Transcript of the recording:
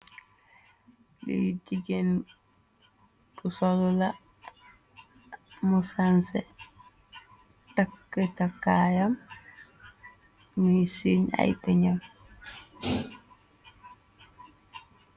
Luy jigéen bu solula mu sanse takktakkaayam muy sin ay benam.